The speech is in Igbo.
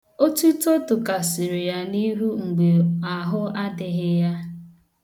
Otuto tokasịrị ya n'ihu mgbe ahụ adịghị ya.